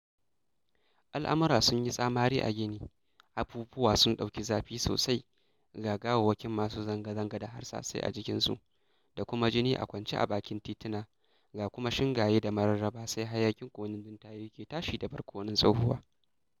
Al'amura sun yi tsamari a Gini, abubuwa sun ɗauki zafi sosai, ga gawawwakin masu zanga-zanga da harsasai a jikinsu da kuma jini a kwance a bakin titina, ga kuma shingaye da mararraba sai hayaƙin ƙonannun tayoyi ke tashi da barkonon tsohuwa.